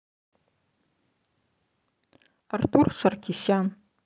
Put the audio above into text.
артур саркисян